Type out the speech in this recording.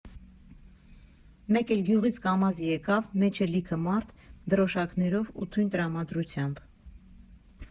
Մեկ էլ գյուղից Կամազ եկավ, մեջը լիքը մարդ՝ դրոշակներով ու թույն տրամադրությամբ։